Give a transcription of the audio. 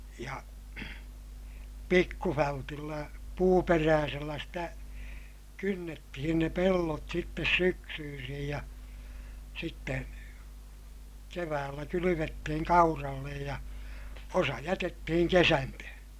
ja pikkuvältillä puuperäisellä sitä kynnettiin ne pellot sitten syksyisin ja sitten keväällä kylvettiin kauralle ja osa jätettiin kesantoon